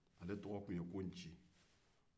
ale tɔgɔ tun ye ko nci